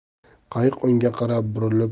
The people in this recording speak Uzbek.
qayiq unga qarab burilib